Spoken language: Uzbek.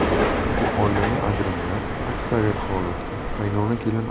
chunki oilaviy ajrimlar aksariyat holatda qaynona kelin